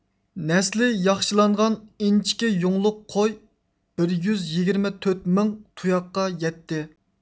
نەسلى ياخشىلانغان ئىنچىكە يۇڭلۇق قوي بىر يۈز يىگىرمە تۆت مىڭ تۇياققا يەتتى